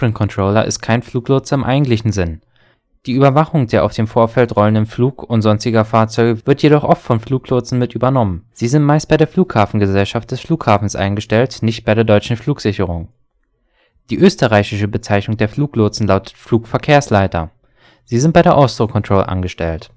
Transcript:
Controller) ist kein Fluglotse im eigentlichen Sinn. Die Überwachung der auf dem Vorfeld rollenden Flug - und sonstiger Fahrzeuge wird jedoch oft von Fluglotsen mit übernommen. Sie sind meistens bei der Flughafengesellschaft des Flughafens eingestellt, nicht bei der Deutschen Flugsicherung (DFS). Die österreichische Bezeichnung des Fluglotsen lautet Flugverkehrsleiter. Sie sind bei der Austro Control angestellt